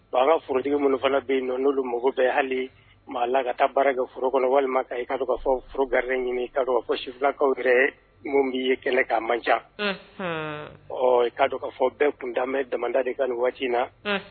Baba forotigi minnu fana bɛ yen n'olu mago bɛɛ hali maa la ka taa baara kɛ forooro kɔnɔ walima kaa don ka fɔ garire ɲini ka fɔ silakaw yɛrɛ minnu bɛ ye kɛlɛ k'a man ca ɔ i k'a kaa fɔ bɛɛ kunda damada de kan waati in na